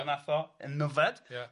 fel wnaeth o yn Nyfed... Ia...